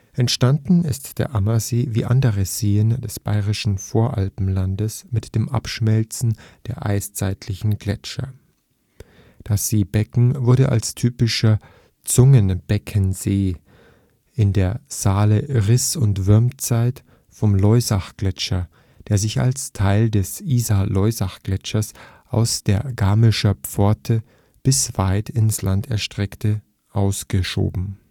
Entstanden ist der Ammersee wie andere Seen des bayerischen Alpenvorlandes mit dem Abschmelzen der eiszeitlichen Gletscher. Das Seebecken wurde als typischer Zungenbeckensee in der Saale -/ Riß - und Würmeiszeit vom Loisachgletscher, der sich als Teil des Isar-Loisach-Gletschers aus der „ Garmischer Pforte “bis weit ins Land erstreckte, ausgeschoben